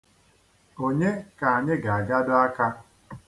Onye ka anyị ga-agado aka?